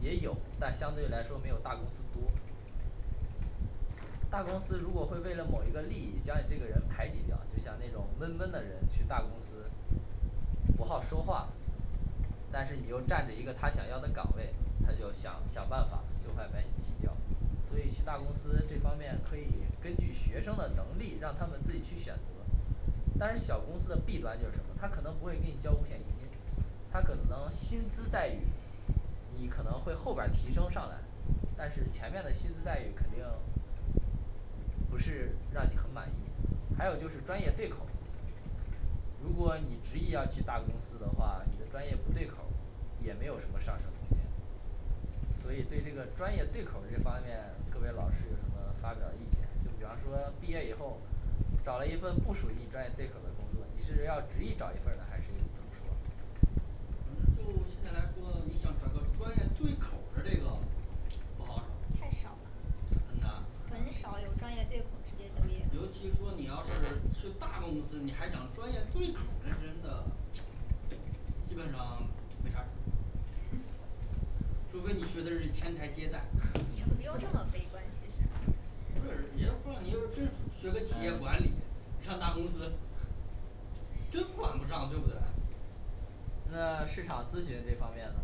也有，但相对来说没有大公司多大公司如果会为了某一个利益将你这个人排挤掉，就像那种闷闷的人去大公司，不好说话但是你又占着一个他想要的岗位，他就想想办法尽快把你挤掉。所以去大公司这方面可以根据学生的能力让他们自己去选择但是小公司的弊端就是什么？它可能不会给你交五险一金，它可能薪资待遇你可能会后边儿提升上来，但是前面的薪资待遇肯定不是让你很满意。还有就是专业对口儿，如果你执意要去大公司的话，你的专业不对口儿，也没有什么上升空间。所以对专业对口儿这方面，各位老师有什么发表意见，就比方说毕业以后找了一份不属于你专业对口儿的工作，你是要执意找一份儿呢还是怎么说反正就现在来说你想找个专业对口的这个不好找太少了很难很难除非你学的是前台接待也不用这么悲观，其实那市场咨询这方面呢